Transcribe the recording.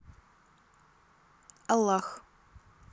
аллах